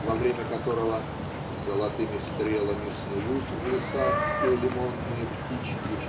во время которого "золотыми стрелами снуют в лесах те лимонные птички